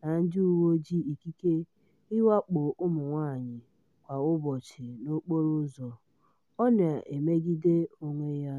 na ndị uwe ojii ikike ịwakpo ụmụ nwaanyị kwa ụbọchị n'okporo ụzọ, ọ na-emegide onwe ya!